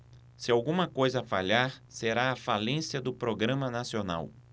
se alguma coisa falhar será a falência do programa nacional